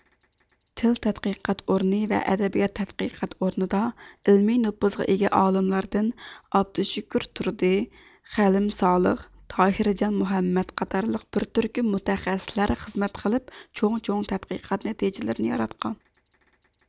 تىل تەتقىقات ئورنى ۋە ئەدەبىيات تەتقىقات ئورنىدا ئىلمىي نوپۇزغا ئىگە ئالىملاردىن ئابدۇشۈكۈر تۇردى خەلىم سالىخ تاھىرجان مۇھەممەد قاتارلىق بىر تۈركۈم مۇتەخەسسىسلەر خىزمەت قىلىپ چوڭ چوڭ تەتقىقات نەتىجىلىرىنى ياراتقان